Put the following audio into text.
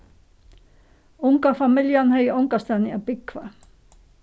unga familjan hevði ongastaðni at búgva